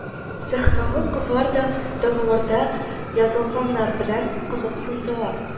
Цехтагы кызлар да договорда язылганнар белән кызыксындылар: